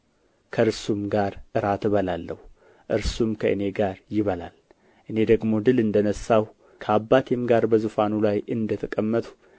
ከእርሱም ጋር እራት እበላለሁ እርሱም ከእኔ ጋር ይበላል እኔ ደግሞ ድል እንደ ነሣሁ ከአባቴም ጋር በዙፋኑ ላይ እንደተቀመጥሁ